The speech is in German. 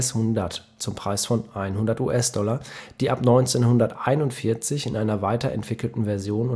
ES-100 zum Preis von 100 US-$, die ab 1941 in einer weiterentwickelten Version